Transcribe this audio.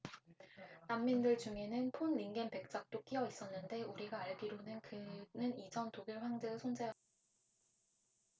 난민들 중에는 폰 링겐 백작도 끼여 있었는데 우리가 알기로는 그는 이전 독일 황제의 손자였습니다